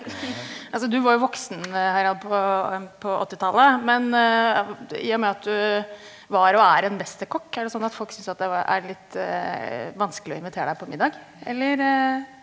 altså du var jo voksen Harald på på åttitallet men i og med at du var og er en mesterkokk, er det sånn at folk syns at det er litt vanskelig å invitere deg på middag, eller ?